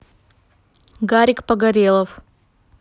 гарик погорелов